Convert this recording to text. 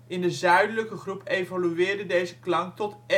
in de zuidelijke groep evolueerde deze klank tot